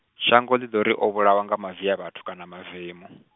shango ḽi ḓo ri o vhulawa nga maviavhathu kana mavemu.